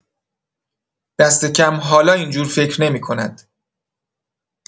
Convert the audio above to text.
دست‌کم حالا این‌جور فکر نمی‌کند.